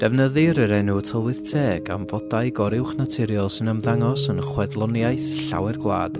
Defnyddir yr enw tylwyth teg am fodau goruwchnaturiol sy'n ymddangos yn chwedloniaeth llawer gwlad.